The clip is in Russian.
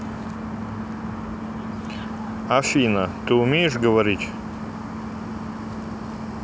афина ты умеешь говорить